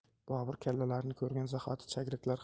bobur kallalarni ko'rgan zahoti chagraklar